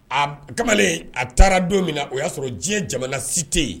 Aa kamalen a taara don min na o y'a sɔrɔ diɲɛ jamana si tɛ yen